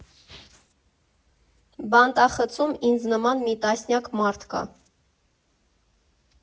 Բանտախցում ինձ նման մի տասնյակ մարդ կա։